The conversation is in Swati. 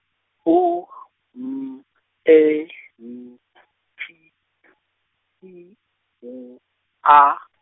U , M , E , N, T, I, W, A.